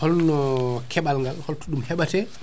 holno keeɓal ngal hoklto ɗum heɓate